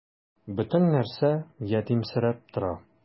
Бөтен нәрсә ятимсерәп тора.